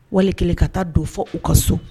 Wali kelen ka taa don fɔ u ka so